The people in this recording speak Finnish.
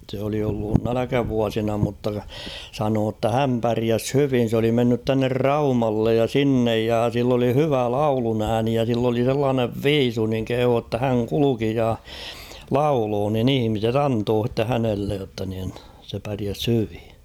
se oli ollut nälkävuosina mutta sanoi että hän pärjäsi hyvin se oli mennyt tuonne Raumalle ja sinne ja sillä oli hyvä lauluääni ja sillä oli sellainen viisu niin kehui jotta hän kulki ja lauloi niin ihmiset antoivat sitten hänelle jotta niin se pärjäsi hyvin